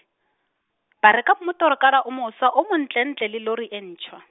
ba reka mmotorokara o mošwa o montlentle le lori e ntšhwa.